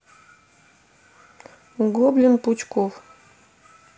гоблин пучков